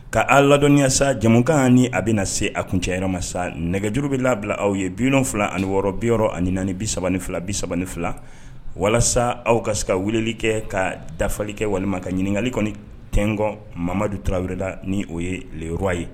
Ka a ladɔnniya sa jamanakan kan ni a bɛna na se a kun cayɔrɔ ma sa nɛgɛjuru bɛ labila aw ye bifila ani wɔɔrɔ bi yɔrɔ ani ni bi3 ni fila bi3 fila walasa aw ka se ka wulili kɛ ka dafafali kɛ walima ka ɲininkakali kɔni tɔn mamamadu tarawele wɛrɛ la ni o ye leur ye